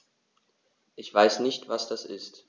Ich weiß nicht, was das ist.